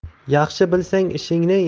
yaxshi bilsang ishingni